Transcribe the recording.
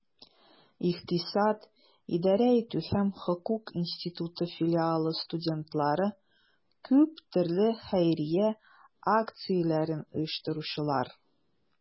Икътисад, идарә итү һәм хокук институты филиалы студентлары - күп төрле хәйрия акцияләрен оештыручылар.